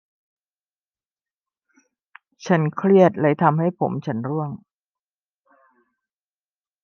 ฉันเครียดเลยทำให้ผมฉันร่วง